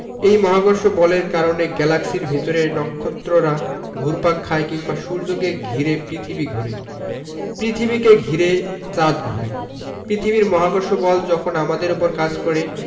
এই মহাকর্ষ বলের কারণে গ্যালাক্সির ভেতরে নক্ষত্ররা ঘুরপাক খায় কিংবা সূর্যকে ঘিরে পৃথিবী ঘোরে পৃথিবীকে ঘিরে চাঁদ ঘোরে পৃথিবীর মহাকর্ষ বল যখন আমাদের ওপর কাজ করে